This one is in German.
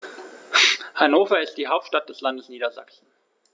Hannover ist die Hauptstadt des Landes Niedersachsen.